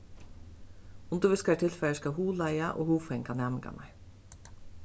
undirvísingartilfarið skal hugleiða og hugfanga næmingarnar